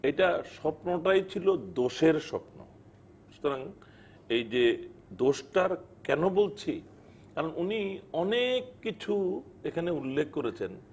এটা স্বপ্নটাই ছিল দোষের স্বপ্ন সুতরাং এই যে দোষ টার কেন বলছি উনি অনেক কিছু এখানে উল্লেখ করেছেন